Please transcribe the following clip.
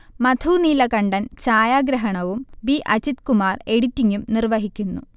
മധു നീലകണ്ഠൻ ഛായാഗ്രഹണവും ബി. അജിത്കുമാർ എഡിറ്റിങും നിർവഹിക്കുന്നു